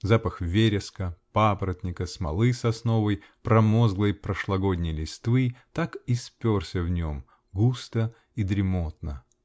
Запах вереска, папоротника, смолы сосновой, промозглой, прошлогодней листвы так и сперся в нем -- густо и дремотно.